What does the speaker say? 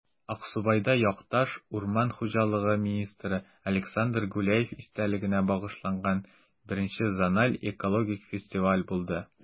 Аксубайда якташ, урман хуҗалыгы министры Александр Гуляев истәлегенә багышланган I зональ экологик фестиваль булды